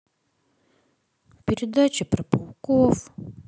передачи про пауков